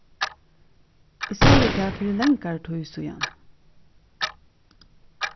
eg segði tað fyri langari tíð síðani